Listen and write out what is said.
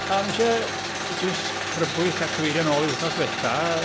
O'n isie jyst crybwyll a cyfeirio nôl i wythnos ddiwetha.